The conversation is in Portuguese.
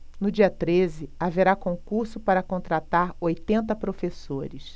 no dia treze haverá concurso para contratar oitenta professores